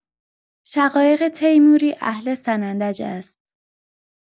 شقایق تیموری اهل سنندج است.